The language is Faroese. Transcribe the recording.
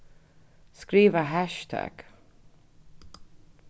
skriva hassjtagg